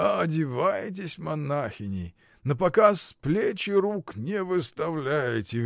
— А одеваетесь монахиней: напоказ плеч и рук не выставляете.